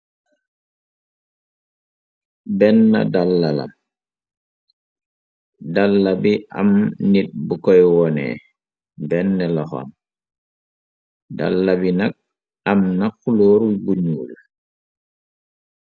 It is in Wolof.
Benne dallala dalla bi am nit bu koy woonee benn loxon dalla bi nak am na xulóoru buñyuul.